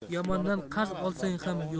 yomondan qarz olsang ham